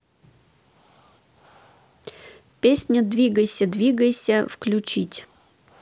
песня двигайся двигайся включить